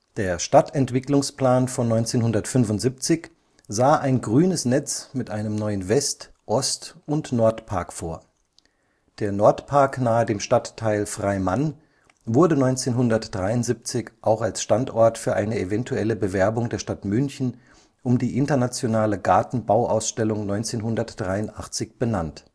Der Stadtentwicklungsplan von 1975 sah ein grünes Netz mit einem neuen West -, Ost - und Nordpark vor; der Nordpark nahe dem Stadtteil Freimann wurde 1973 auch als Standort für eine eventuelle Bewerbung der Stadt München um die Internationale Gartenbauausstellung 1983 benannt